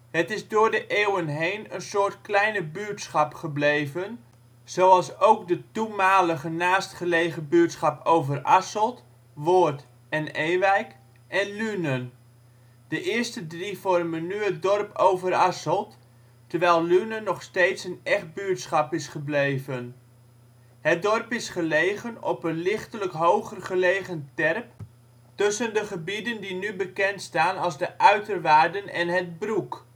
Het is door de eeuwen heen een soort kleine buurtschap gebleven, zoals ook de toenmalige naastgelegen buurtschappen Overasselt, Woord en Ewijk en Lunen. De eerste drie vormen nu het dorp Overasselt terwijl Lunen nog steeds een echt buurtschap is gebleven. Het dorp is gelegen op een lichtelijk hoger gelegen terp tussen de gebieden die nu bekend staan als de uiterwaarden en het Broek